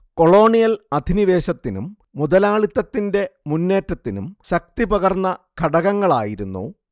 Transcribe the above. colonial അധിനിവേശത്തിനും മുതലാളിത്തത്തിന്റെ മുന്നേറ്റത്തിനും ശക്തി പകർന്ന ഘടകങ്ങളായിരുന്നു